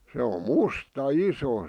se on musta iso